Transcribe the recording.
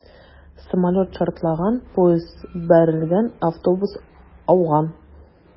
Самолет шартлаган, поезд бәрелгән, автобус ауган...